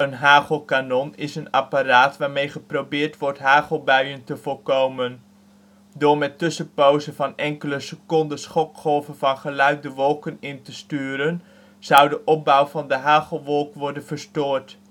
hagelkanon is een apparaat waarmee geprobeerd wordt hagelbuien te voorkomen. Door met tussenpozen van enkele seconden schokgolven van geluid de wolken in te sturen zou de opbouw van de hagelwolk worden verstoord